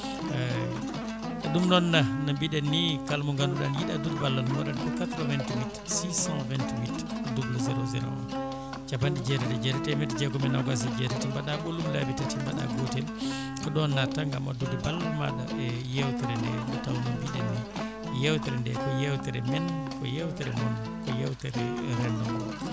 ɗum noon no mbiɗen ni kala mo ganduɗa ne yiiɗi addude ballal mum waɗata ko 88 628 00 01 capanɗe jeetati e jeetati temdde jeegom e nogas e jeetati mbaɗa ɓolum laabi tati mbaɗa gotel ko ɗon natta gaam addude ballal maɗa e yewtere nde nde tawno mbiɗen ni yewtere nde ko yewtere men ko yewtere moon ko yewtere rendogo